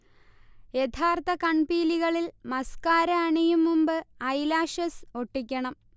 യഥാർത്ഥ കൺപീലികളിൽ മസ്കാര അണിയും മുമ്പ് ഐലാഷസ് ഒട്ടിക്കണം